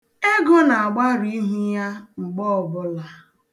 Ego na-agbarụ ihu ya mgbe ọbụla.